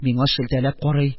Миңа шелтәләп карый,